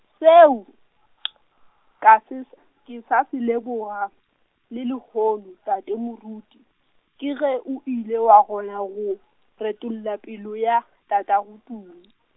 seo , ka se s- , ke sa se leboga, le lehono, tate moruti, ke ge o ile wa kgona go, retolla pelo ya, tatagoTumi.